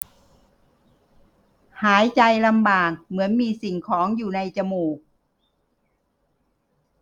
หายใจลำบากเหมือนมีสิ่งของอยู่ในจมูก